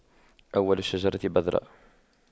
أول الشجرة بذرة